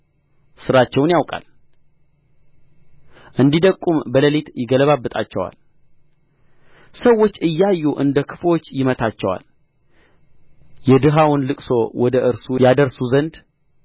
ሥራቸውን ያውቃል እንዲደቅቁም በሌሊት ይገለባብጣቸዋል ሰዎች እያዩ እንደ ክፉዎች ይመታቸዋል የድሀውን ልቅሶ ወደ እርሱ ያደርሱ ዘንድ